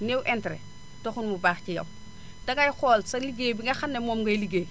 néew interet taxul mu baax ci yow dangay xool sa ligéey bi nga xam ne moom ngay ligéey